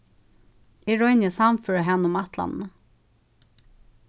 eg royni at sannføra hana um ætlanina